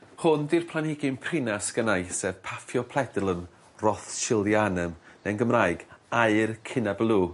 Hwn 'di'r planhigyn prina sgynnai sef Paphiopedilum rothschildianum neu'n Gymraeg aur Kinabalu.